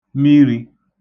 mirī